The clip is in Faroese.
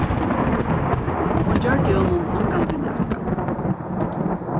hon gjørdi honum ongantíð nakað